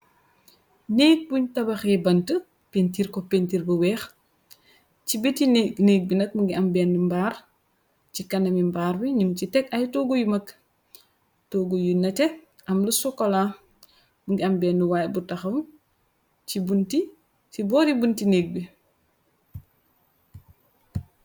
Nékg buñ tabaxee bant pintiir ko pintir bu weex ci biti négg bi nag mngi ambenni mbaar ci kanami mbaar bi num ci teg ay toggu yu mag toggu yu nete amlu sokola b ngi ambenn waay bu taxaw ci boori bunti néeg bi.